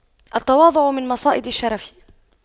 التواضع من مصائد الشرف